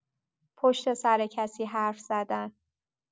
پشت‌سر کسی حرف‌زدن